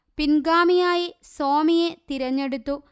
പിൻഗാമിയായി സ്വാമിയെ തിരഞ്ഞെടുത്തു